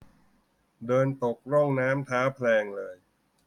เดินตกร่องน้ำเท้าแพลงเลย